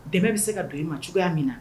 Dɛmɛ bɛ se ka don i ma cogoya min na.